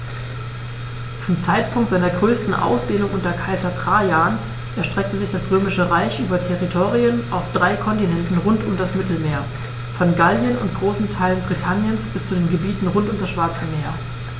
Zum Zeitpunkt seiner größten Ausdehnung unter Kaiser Trajan erstreckte sich das Römische Reich über Territorien auf drei Kontinenten rund um das Mittelmeer: Von Gallien und großen Teilen Britanniens bis zu den Gebieten rund um das Schwarze Meer.